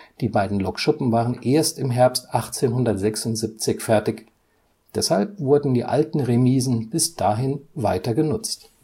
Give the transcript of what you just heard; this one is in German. Die beiden Lokschuppen waren erst im Herbst 1876 fertig, deshalb wurden die alten Remisen bis dahin weiter genutzt